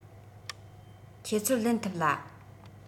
ཁྱེད ཚོར ལེན ཐུབ ལ